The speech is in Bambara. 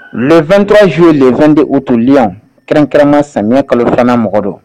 2tyo ye len2 de utuli kɛrɛnkɛma samiyɛ kalofana mɔgɔ don